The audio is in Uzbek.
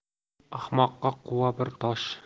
ahmoqqa quva bir tosh